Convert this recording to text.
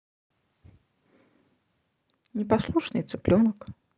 непослушный цыпленок